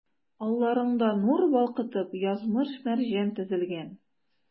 Алларыңда, нур балкытып, язмыш-мәрҗән тезелгән.